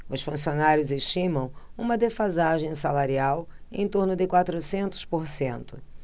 os funcionários estimam uma defasagem salarial em torno de quatrocentos por cento